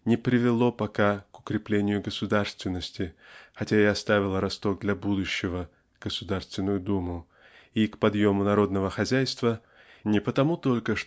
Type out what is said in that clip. не привело пока к укреплению государственности (хотя и оставило росток для будущего -- Государственную Думу) и к подъему народного хозяйства не потому только